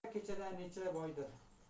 gado bir kechada necha boyir